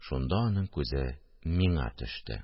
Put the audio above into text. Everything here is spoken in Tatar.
Шунда аның күзе миңа төште